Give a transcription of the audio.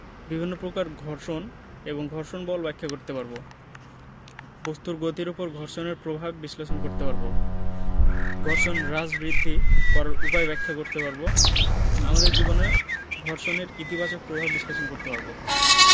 বিভিন্ন প্রকার ঘর্ষণ এবং ঘর্ষণ বল ব্যাখ্যা করতে পারব বস্তুর গতির উপর ঘর্ষণের প্রভাব বিশ্লেষণ করতে পারব ঘর্ষণ হ্রাস বৃদ্ধি করার উপায় ব্যাখ্যা করতে পারব আমাদের জীবনে ঘর্ষণের ইতিবাচক প্রভাব বিশ্লেষণ করতে পারব